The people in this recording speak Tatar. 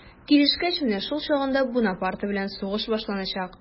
Килешкәч, менә шул чагында Бунапарте белән сугыш башланачак.